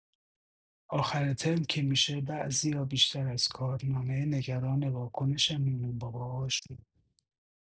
آخر ترم که می‌شه، بعضیا بیشتر از کارنامه نگران واکنش مامان‌باباهاشونن!